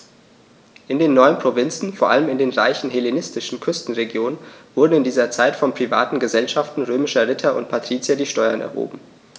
In den neuen Provinzen, vor allem in den reichen hellenistischen Küstenregionen, wurden in dieser Zeit von privaten „Gesellschaften“ römischer Ritter und Patrizier die Steuern erhoben.